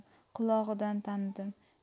qulog'idan tanidim